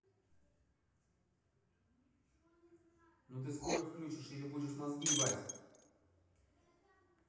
ну ты скоро включишь или будешь мозги ебать